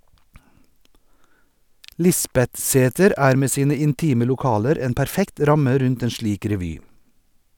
Lisbetsæter er med sine intime lokaler en perfekt ramme rundt en slik revy.